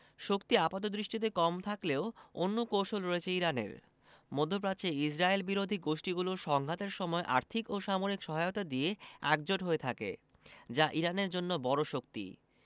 শক্তি আপাতদৃষ্টিতে কম থাকলেও অন্য কৌশল রয়েছে ইরানের মধ্যপ্রাচ্যে ইসরায়েলবিরোধী গোষ্ঠীগুলো সংঘাতের সময় আর্থিক ও সামরিক সহায়তা দিয়ে একজোট হয়ে থাকে যা ইরানের জন্য বড় শক্তি